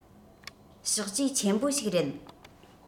བཤག བཅོས ཆེན པོ ཞིག རེད